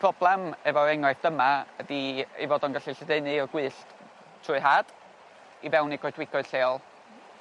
problam efo' enghraifft yma ydi ei fod o'n gallu lledaenu o gwyllt trwy had i fewn i goedwigodd lleol.